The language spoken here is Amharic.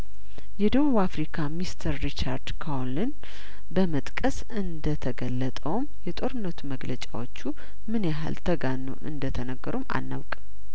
የደቡብ አፍሪካን ሚስተር ሪቻርድ ኮዎልን በመጥቀስ እንደተገለጠውም የጦርነቱ መግለጫዎቹምን ያህልተጋ ነው እንደተነገሩም አናውቅም